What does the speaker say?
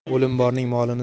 o'lim borning molini